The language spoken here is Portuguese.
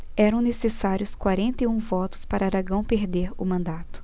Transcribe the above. eram necessários quarenta e um votos para aragão perder o mandato